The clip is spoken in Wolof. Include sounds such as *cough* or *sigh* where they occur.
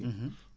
*hesitation* *hesitation*